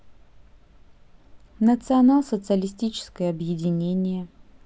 национал социалистическое объединение